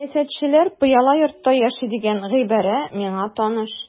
Сәясәтчеләр пыяла йортта яши дигән гыйбарә миңа таныш.